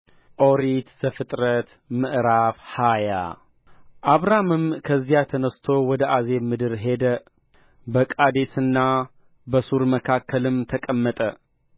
ኦሪት ዘፍጥረት ምዕራፍ ሃያ አብርሃምም ከዚያ ተነሥቶ ወደ አዜብ ምድር ሄደ በቃዴስና በሱር መካከልም ተቀመጠ